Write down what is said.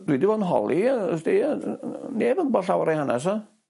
Dwi 'di fod yn holi yy wsti a yy neb yn gwbo llawer o'i hanes o.